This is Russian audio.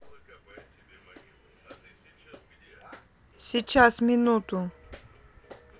сейчас минуту